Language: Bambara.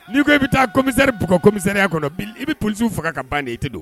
N'i ko i bɛ taa commissaire bugɔ commissariat kɔnɔ i bɛ police faga ka ban de.